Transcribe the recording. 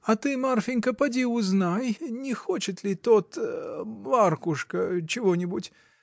А ты, Марфинька, поди узнай, не хочет ли тот. Маркушка. чего-нибудь?